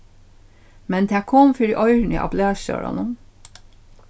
men tað kom fyri oyruni á blaðstjóranum